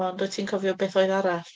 Ond wyt ti'n cofio beth oedd arall?